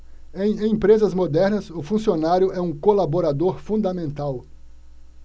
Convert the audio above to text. em empresas modernas o funcionário é um colaborador fundamental